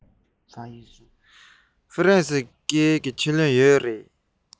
ཧྥ རན སིའི སྐད ཡིག ཆེད ལས ཡོད རེད པས